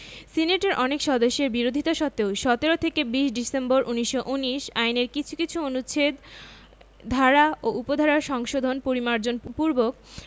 সিনেটের অনেক সদস্যের বিরোধিতা সত্ত্বেও ১৭ থেকে ২০ ডিসেম্বর ১৯১৯ আইনের কিছু কিছু অনুচ্ছেদ ধারা ও উপধারা সংশোধন পরিমার্জন পূর্বক